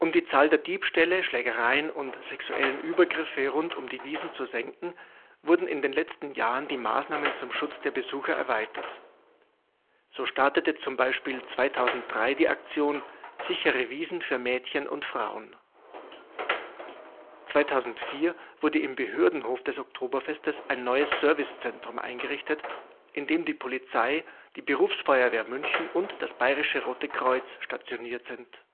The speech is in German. die Zahl der Diebstähle, Schlägereien und sexuellen Übergriffe rund um die Wiesn zu senken, wurden in den letzten Jahren die Maßnahmen zum Schutz der Besucher erweitert. So startete zum Beispiel 2003 die Aktion Sichere Wiesn für Mädchen und Frauen. 2004 wurde im Behördenhof des Oktoberfestes ein neues Servicezentrum eingerichtet, in dem die Polizei, die Berufsfeuerwehr München und das Bayerische Rote Kreuz stationiert sind